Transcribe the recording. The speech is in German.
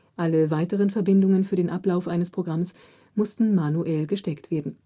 Alle weiteren Verbindungen für den Ablauf eines Programmes mussten manuell gesteckt werden